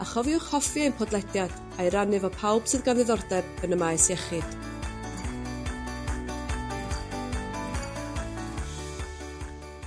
A chofiwch hoffi ein podlediad a'i rannu efo pawb sydd gan diddordeb yn y maes iechyd.